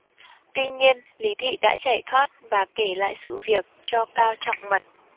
tuy nhiên lý thị đã chạy thoát và kể lại sự việc cho cao trọng mật